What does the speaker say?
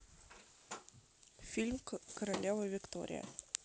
фильм королева виктория